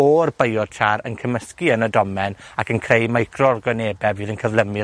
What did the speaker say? ö'r biochar yn cymysgu yn y domen, ac yn creu micro organebe fydd yn cyflymu'r